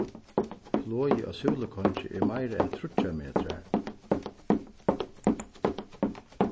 flogið á súlukongi er meir enn tríggjar metrar